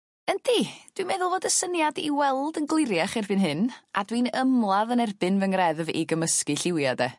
Yndi dwi' meddwl fod y syniad i weld yn gliriach erbyn hyn a dwi'n ymladd yn erbyn fy ngreddf i gymysgu lliwia 'de.